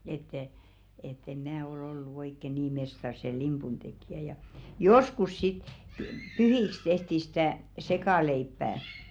että ett en minä ole ollut oikein niin mestari sen limpun tekijä ja joskus sitten - pyhiksi tehtiin sitä sekaleipää